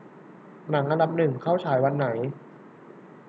หนังอันดับหนึ่งเข้าฉายวันไหน